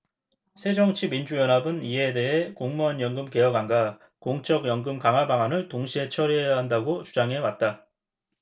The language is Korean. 새정치민주연합은 이에 대해 공무원연금 개혁안과 공적연금 강화방안을 동시에 처리해야 한다고 주장해왔다